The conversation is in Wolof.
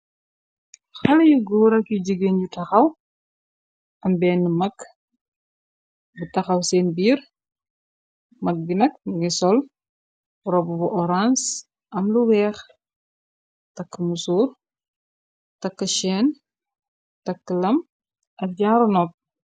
xale yu goorak yu jigéen yu taxaw am benn mag bu taxaw seen biir mag bi nag mngi sol rob bu horanc am lu weex takk mu sóor takk cheen takk lam ak jaaro nopp